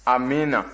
amiina